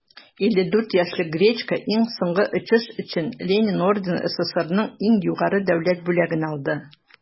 54 яшьлек гречко иң соңгы очыш өчен ленин ордены - сссрның иң югары дәүләт бүләген алды.